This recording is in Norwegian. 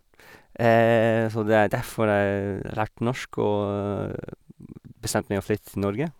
Så det er derfor jeg lærte norsk og bestemte meg å flytte til Norge.